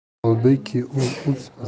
holbuki u o'z